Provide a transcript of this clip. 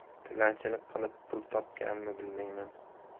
tilanchilik qilib pul topganmi bilmayman